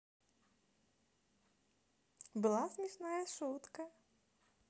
была смешная шутка